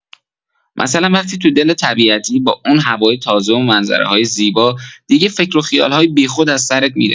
مثلا وقتی تو دل طبیعتی، با اون هوای تازه و منظره‌های زیبا، دیگه فکر و خیال‌های بی‌خود از سرت می‌ره.